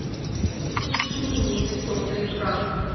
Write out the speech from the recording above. почему у меня темный экран